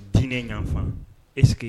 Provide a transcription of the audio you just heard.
Tinɛ yanfa e